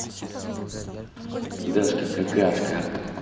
дашка какашка